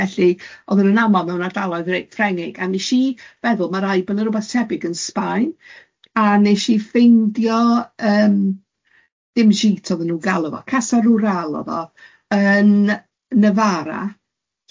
felly oedden nhw'n aml mewn ardaloedd reit Ffrenig, a wnes i feddwl mae rhaid bod yn rwbath tebyg yn Sbaen, a wnes i ffeindio yym dim jeets oedden nhw'n galw fo, Casa Rural oedd o yn Nyfara.